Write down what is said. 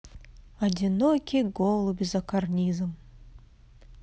одинокий голубь за карнизом